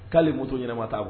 K'ale moto ɲɛnama taa bo